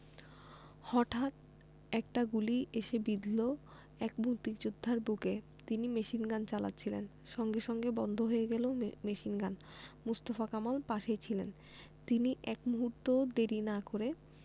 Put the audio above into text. হটাঠ একটা গুলি এসে বিঁধল এক মুক্তিযোদ্ধার বুকে তিনি মেশিনগান চালাচ্ছিলেন সঙ্গে সঙ্গে বন্ধ হয়ে গেল মেশিনগান মোস্তফা কামাল পাশেই ছিলেন তিনি এক মুহূর্তও দেরি না করে